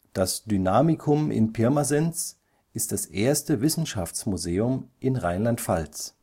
Das Dynamikum in Pirmasens ist das erste Wissenschaftsmuseum („ Science Center “) in Rheinland-Pfalz